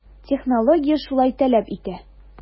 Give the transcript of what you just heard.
Технология шулай таләп итә.